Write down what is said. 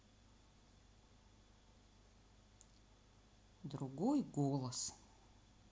другой голос